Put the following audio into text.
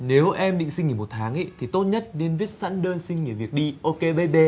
nếu em định xin nghỉ một tháng ý thì tốt nhất nên viết sẵn đơn xin nghỉ việc đi ô kê bấy bê